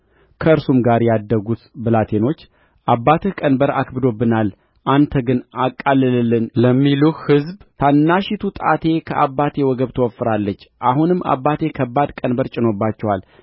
ከእርሱም ጋር ያደጉት ብላቴኖች አባትህ ቀንበር አክብዶብናል አንተ ግን አቃልልልን ለሚሉህ ሕዝብ ታናሺቱ ጣቴ ከአባቴ ወገብ ትወፍራለች አሁንም አባቴ ከባድ ቀንበር ጭኖባችኋል